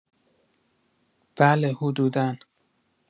بله حدودا